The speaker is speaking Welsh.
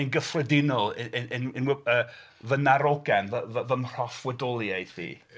Yn gyffredinol yn... yn... yn... fy narogan, fy mroffwydoliaeth i.